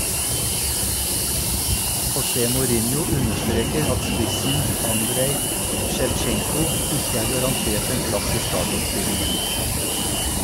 José Mourinho understreker at spissen Andrej Sjevtsjenko ikke er garantert en plass i startoppstillingen.